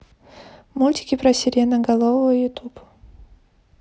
мультики про сиреноголового ютуб